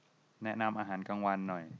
แนะนำอาหารกลางวันหน่อย